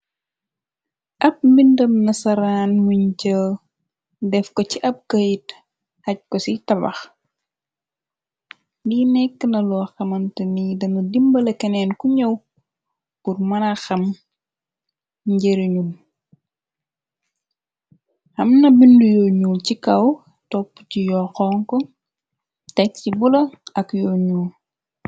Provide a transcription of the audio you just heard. Ak mbindëm na saraan muñ jël, def ko ci ay këyit aj ko ci tabax. Li nekka na loo xamante ni danu dimbala keneen ku ñëw pur mëna xam njëru ñum. Amna bindu yo ñu ci kaw topp ci yo xonko tek ci bula ak yoo ñul.